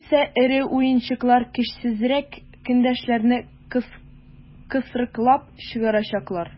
Югыйсә эре уенчылар көчсезрәк көндәшләрне кысрыклап чыгарачаклар.